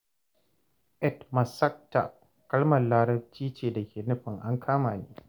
Etmasakta kalmar Larabci ce da take nufin ''An kama ni''.